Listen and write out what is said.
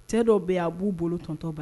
Cɛ dɔ bɛ a b'u bolo tɔntɔba